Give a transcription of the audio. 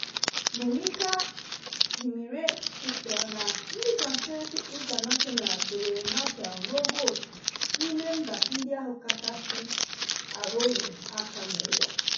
Bhumika Ghimire kwupụtara na ndị Transparency International dowere Nepal n'ogo otu n'ime mba ndị ahụ kachasị a rụrụ aka n'ụwa.